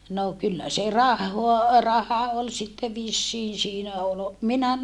no kyllä se rahaa raha oli sitten vissiin siinä oli minä